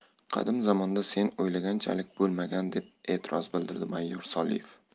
qadim zamonda sen o'ylaganchalik bo'lmagan deb e'tiroz bildirdi mayor soliev